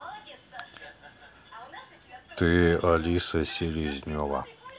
ты алиса селезнева